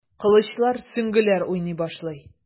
Кылычлар, сөңгеләр уйный башлый.